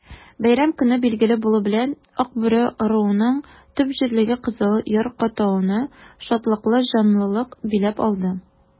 Бәйрәм көне билгеле булу белән, Акбүре ыруының төп җирлеге Кызыл Яр-катауны шатлыклы җанлылык биләп алды.